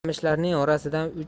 qamishlarning orasidan uch